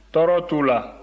tɔɔrɔ t'u la